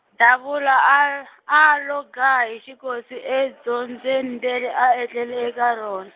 Davula a a lo ga hi xikosi edzobyeni leri a etlela e ka rona.